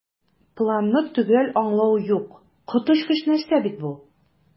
"планны төгәл аңлау юк, коточкыч нәрсә бит бу!"